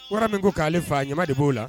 Wara min ko k'ale fa ɲamamaa de b'o la